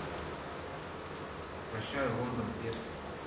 прощай лондон лепс